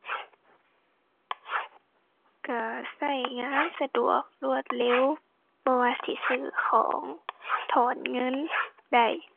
ก็ก็งานสะดวกรวดเร็ว บ่ว่าสิซื้อของ ถอนเงินได้